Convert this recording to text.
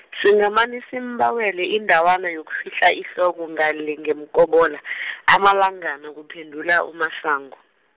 singamane simbawele indawana yokufihla ihloko ngale ngeMkobola , amalangana kuphendula uMasango.